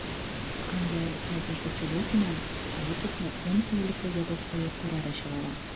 Хөкемдар Надежда Чулюкина Филлиповны ун тәүлеккә ябып кую карары чыгара.